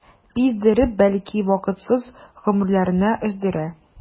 Биздереп, бәлки вакытсыз гомерләрне өздерә.